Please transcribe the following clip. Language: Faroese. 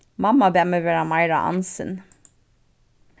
mamma bað meg vera meira ansin